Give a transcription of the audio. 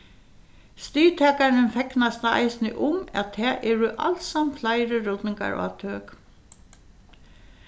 stigtakarin fegnast eisini um at tað eru alsamt fleiri ruddingarátøk